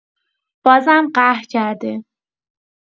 بازم قهر کرده.